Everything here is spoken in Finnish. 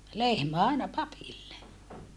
lehmä aina papille